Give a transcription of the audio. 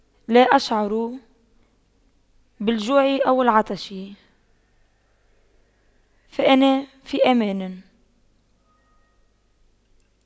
لا أشعر بالجوع أو العطش فأنا في أمان